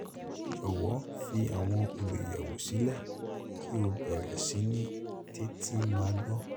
Jọ̀wọ́ fi àwọn olùyẹ̀wò sílẹ̀ kí o bẹ̀rẹ̀ sí ní tẹ́tí máa gbọ.'